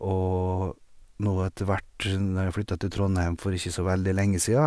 Og nå etter hvert når jeg flytta til Trondheim for ikke så veldig lenge sia...